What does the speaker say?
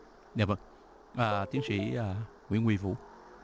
dạ vâng à tiến sĩ a nguyễn huy vũ